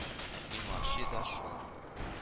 Иң ачы да шул